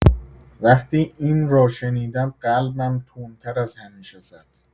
وقتی این را شنیدم قلبم تندتر از همیشه زد.